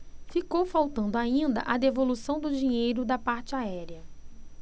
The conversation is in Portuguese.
ficou faltando ainda a devolução do dinheiro da parte aérea